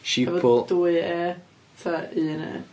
Sheeple... Efo dwy e? Ta un e?